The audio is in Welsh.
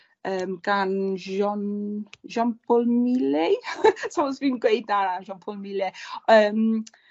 yym gan Jean, Jean Paul Mile? gwed nawr Jean Paul Mile yym